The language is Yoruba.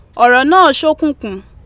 ọ̀rọ̀ náà ṣókùnkùn.